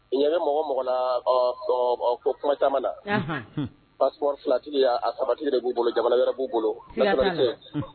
I ɲa ne mɔgɔ mɔgɔ na ko kuma caman na ba filatigi a sabatigi b'u bolo jamana yɛrɛ b'u bolo